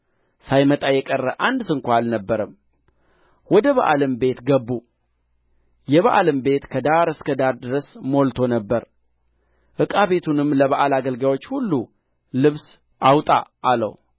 ሳይመጣ የቀረ አንድ ስንኳ አልነበረም ወደ በኣልም ቤት ገቡ የበኣልም ቤት ከዳር እስከ ዳር ድረስ ሞልቶ ነበር ዕቃ ቤቱንም ለበኣል አገልጋዮች ሁሉ ልብስ አውጣ አለው